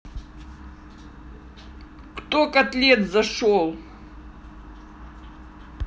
кто котлет зашел